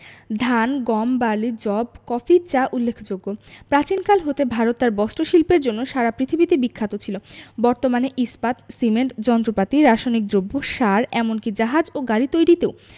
ধান গম বার্লি যব কফি চা উল্লেখযোগ্য প্রাচীনকাল হতে ভারত তার বস্ত্রশিল্পের জন্য সারা পৃথিবীতে বিখ্যাত ছিল বর্তমানে ইস্পাত সিমেন্ট যন্ত্রপাতি রাসায়নিক দ্রব্য সার এমন কি জাহাজ ও গাড়ি তৈরিতেও